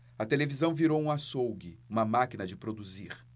a televisão virou um açougue uma máquina de produzir